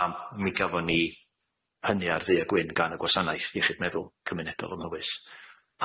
a m- mi gafon ni hynny ar ddu a gwyn gan y gwasanaeth iechyd meddwl cymunedol ym Mhywys.